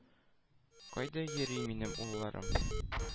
Кайда йөри минем улларым?